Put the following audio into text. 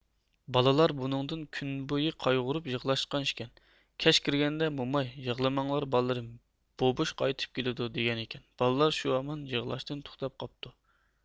بالىلار بۇنىڭدىن كۈنبويى قايغۇرۇپ يىغلاشقان ئىكەن كەچ كىرگەندە موماي يىغلىماڭلار بالىلىرىم بۆبۈش قايتىپ كېلىدۇ دېگەنىكەن بالىلار شۇ ھامان يىغلاشتىن توختاپ قاپتۇ